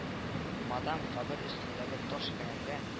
Мадам кабер өстендәге таш келәмгә